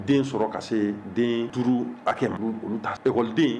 Den sɔrɔ ka se den duuru a kɛ olu tawaleden